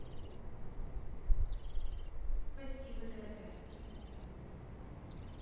спасибо дорогая